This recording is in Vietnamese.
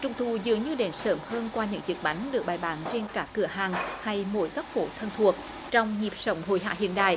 trung thu dường như đến sớm hơn qua những chiếc bánh được bày bán trên các cửa hàng hay mỗi góc phố thân thuộc trong nhịp sống hối hả hiện đại